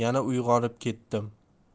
yana uyg'onib ketdim